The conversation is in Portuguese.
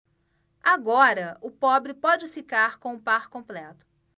agora o pobre pode ficar com o par completo